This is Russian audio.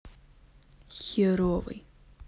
херовый